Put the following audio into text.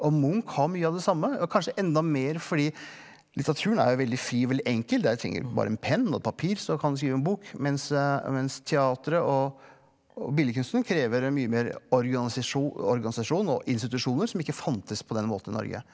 og Munch har mye av det samme og kanskje enda mer fordi litteraturen er jo veldig fri veldig enkel, der trenger du bare en penn og et papir så kan du skrive en bok, mens mens teateret og billedkunsten krever mye mer organisasjon og institusjoner som ikke fantes på denne måten i Norge.